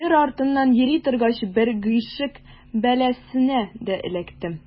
Җыр артыннан йөри торгач, бер гыйшык бәласенә дә эләктем.